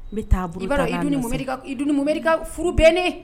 N bɛ taa i idri furu bɛnnen